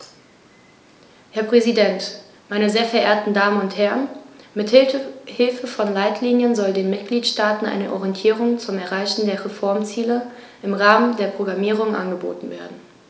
Herr Präsident, meine sehr verehrten Damen und Herren, mit Hilfe von Leitlinien soll den Mitgliedstaaten eine Orientierung zum Erreichen der Reformziele im Rahmen der Programmierung angeboten werden.